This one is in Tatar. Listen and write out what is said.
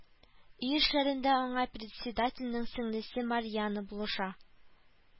Өй эшләрендә ана председательнең сеңелесе Марьяна булыша